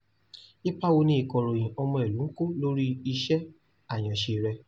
Ipa wo ní ìkọ̀ròyìn ọmọ-ìlú ń kó lórí iṣẹ́ àyànṣe rẹ?